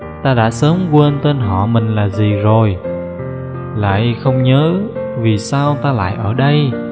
ta đã sớm quên tên họ mình là gì rồi lại không nhớ vì sao ta lại ở đây